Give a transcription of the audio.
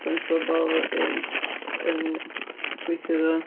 Bunch o bobl yn yn gweithio iddo fo.